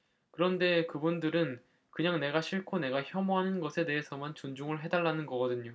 그런데 그분들은 그냥 내가 싫고 내가 혐오하는 것에 대해서만 존중을 해 달라는 거거든요